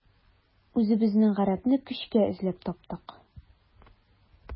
Үзебезнең гарәпне көчкә эзләп таптык.